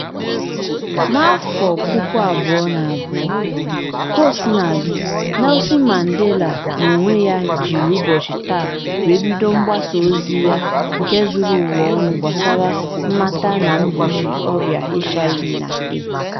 Na 2002, kaosinadị, Nelson Mandela n'onwe ya jiri ụbọchị taa wee bido mgbasa ozi ya nke zuru ụwa ọnụ gbasara mmata na mgbochi ọrịa HIV/AIDS, 46664